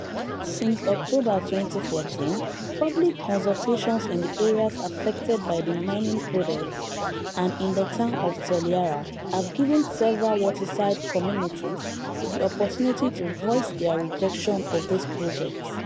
Since October 2014, public consultations in the areas affected by the mining project and in the town of Toliara have given several waterside communities the opportunity to voice their rejection of this project.